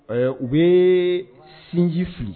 U bɛ sinji fili